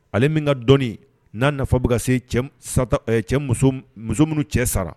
Ale min ka dɔɔnin n'a nafolo bɛ ka se cɛ muso minnu cɛ sara